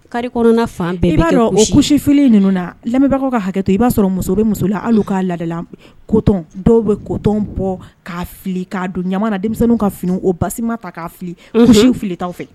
Kari fan i b'a dɔn o kusifi ninnubagawkaw ka hakɛ i b'a sɔrɔ muso musola hali'a la ko dɔw bɛ ko bɔ'a fili k'a don ɲamana denmisɛnnin ka fini o basi ma ta' fili fili t fɛ